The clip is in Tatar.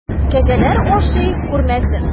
Кәҗәләр ашый күрмәсен!